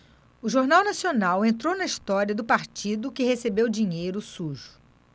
o jornal nacional entrou na história do partido que recebeu dinheiro sujo